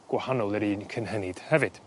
gwahanol i'r un cynhennid hefyd.